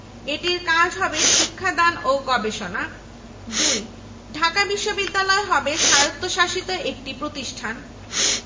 ইসলামী শিক্ষা ও গবেষণা এর শিক্ষা কার্যক্রমের অন্তর্ভুক্ত হবে ১৯১৩ সালে কমিটির প্রতিবেদন প্রকাশিত হওয়ার পর